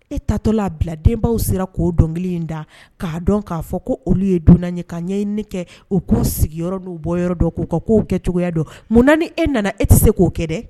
E taa tɔ la bila, denbaw sera k'o dɔnkili in da k'a dɔn k'a fɔ ko olu ye dunan ye. Ka ɲɛɲini kɛ, u k'u sigiyɔrɔ n'u bɔ yɔrɔ don, k'u ka k'o kɛ cogoya don, munna ni e nana e tɛ se k'o kɛ dɛ?